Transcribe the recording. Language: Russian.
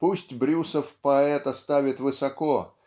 Пусть Брюсов поэта ставит высоко